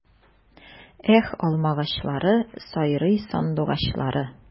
Эх, алмагачлары, сайрый сандугачлары!